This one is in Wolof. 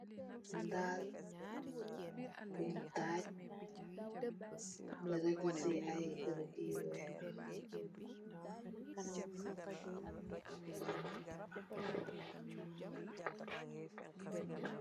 Ndaal bungh taach, redue cii aiiy redue yu wekh.